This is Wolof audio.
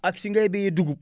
ak fi ngay bayee dugub